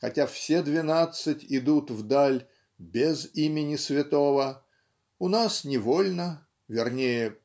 хотя все двенадцать идут вдаль "без имени святого" у нас невольно вернее